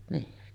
niin